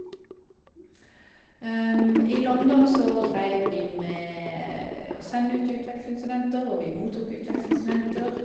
I London så dreiv vi med å sende ut utvekslingsstudenter, og vi mottok utvekslingsstudenter.